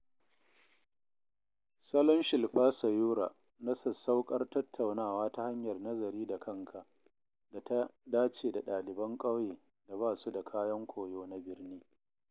Salon Shilpa Sayura na sassauƙar tattaunawa ta hanyar nazari da kanka da ta dace da ɗaliban ƙauye da ba su da kayan koyo na birni.